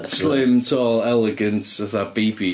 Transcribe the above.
Slim, tall, elegant, fatha baby.